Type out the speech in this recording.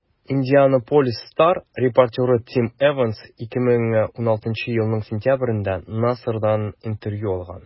«индианаполис стар» репортеры тим эванс 2016 елның сентябрендә нассардан интервью алган.